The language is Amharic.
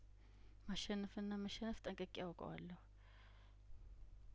ማሸነፍንና መሸነፍ ጠንቅቄ አውቀዋለሁ